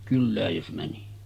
kylään jos meni